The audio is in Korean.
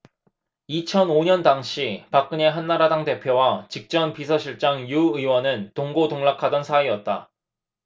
이천 오 년 당시 박근혜 한나라당 대표와 직전 비서실장 유 의원은 동고동락하던 사이었다